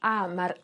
A ma'r